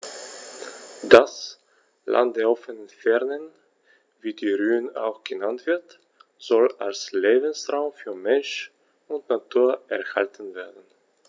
Das „Land der offenen Fernen“, wie die Rhön auch genannt wird, soll als Lebensraum für Mensch und Natur erhalten werden.